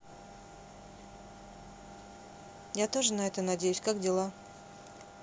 я тоже на это надеюсь как дела